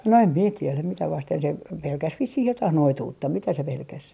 no en minä tiedä mitä vasten se pelkäsi vissiin jotakin noituutta mitä se pelkäsi